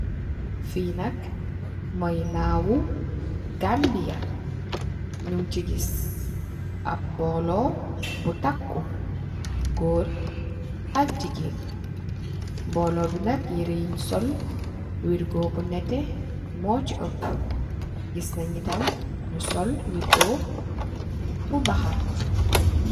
Fii nak, mooy,...Gambiya. Ñung si gis, bu takku, goor ak Mboolo mi nak kolo yuñg sol, wergoo bu nétte mooy ci äppu. Gis nay itam, ñu sol wergoo bu baxa.